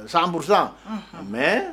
Sanuru san mɛ